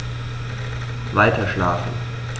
Weiterschlafen.